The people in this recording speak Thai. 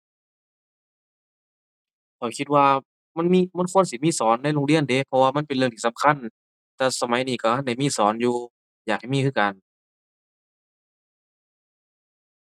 ข้อยคิดว่า มันมี มันควรสิมีสอนในโรงเรียนเดะ เพราะว่ามันเป็นเรื่องที่สำคัญ แต่สมัยนี้ก็ทันได้มีสอนอยู่ อยากให้มีคือกัน